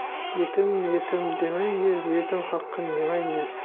yetim etim demangiz yetim haqin yemangiz